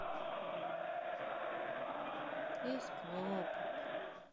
из кнопок